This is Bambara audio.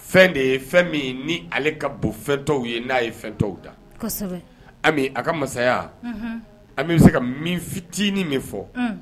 Fɛn de ye fɛn min ni ale ka bon fɛn tɔww ye n'a ye fɛn tɔww da a ka masaya an bɛ bɛ se ka min fitinin min fɔ